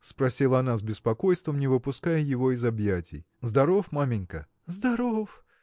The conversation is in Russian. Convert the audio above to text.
– спросила она с беспокойством, не выпуская его из объятий. – Здоров, маменька. – Здоров!